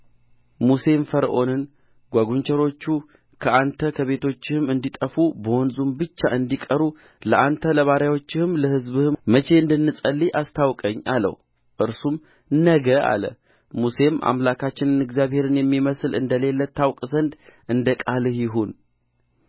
ሙሴም ፈርዖንን ጓጕንቸሮቹ ከአንተ ከቤቶችህም እንዲጠፉ በወንዙም ብቻ እንዲቀሩ ለአንተ ለባሪያዎችህም ለሕዝብህም መቼ እንድጸልይ አስታውቀኝ አለው እርሱም ነገ አለ ሙሴም አምላካችንን እግዚአብሔርን የሚመስል እንደሌለ ታውቅ ዘንድ እንደ ቃልህ ይሁን